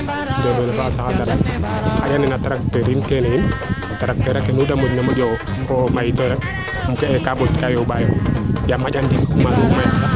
fogre fa a saxad xaƴa nen a tracteur iin keene yiin tracteur ake nuude moƴna moƴo maytoyo keene ka may keete yoomba yoomb yaam xanja ne i commencer na